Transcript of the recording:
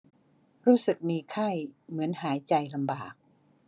รู้สึกมีไข้เหมือนหายใจลำบาก